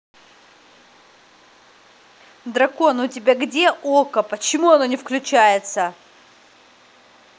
дракон у тебя где okko почему оно не включается